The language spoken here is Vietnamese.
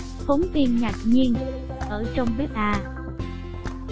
phóng viên ở trong bếp à